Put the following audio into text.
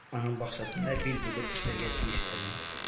Аның бакчасында бил бөгеп эшләргә тиеш әле